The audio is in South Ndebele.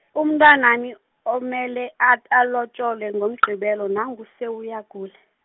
umntwanami omele at-, alotjolwe ngoMgqibelo nangu sewuyagula.